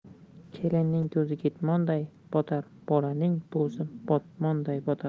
kelinning so'zi ketmonday botar bolaning so'zi botmonday botar